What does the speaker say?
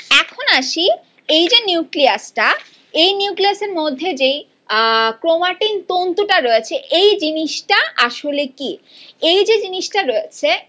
এখন আসি এই যে নিউক্লিয়াস টা এই নিউক্লিয়াসের মধ্যে যেই ক্রোমাটিন তন্তু টা রয়েছে এই জিনিসটা আসলে কি এই যে জিনিসটা রয়েছে